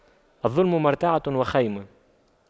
الظلم مرتعه وخيم